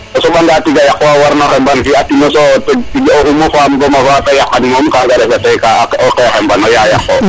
o soɓa nga tiga yaq wa o warno xemban fi a tino so kaga refa te o qeqekeman o yaya yaqo